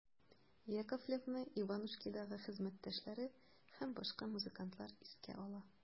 Яковлевны «Иванушки»дагы хезмәттәшләре һәм башка музыкантлар искә ала.